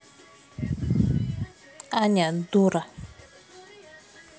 аня дура